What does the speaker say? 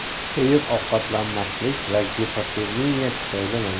to'yib ovqatlanmaslik va gipotermiya tufayli